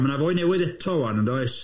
Ma' na foi newydd eto ŵan, yn does?